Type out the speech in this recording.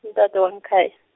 mtato wangekhaya.